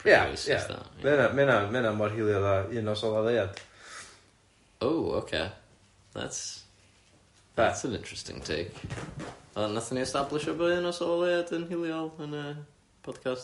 Ia ia ma' hynna ma' hynna mor hiliol a Un Nos Ola Leuad. Oh ocê, that's that's an interesting take, ond 'nathon ni establishio bo' Un Nos Ola Leuad yn hiliol yn y podcast?